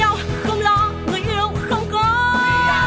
nhau không lo người yêu không có